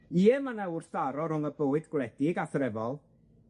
Ie, ma' 'na wrthdaro rwng y bywyd gwledig a threfol,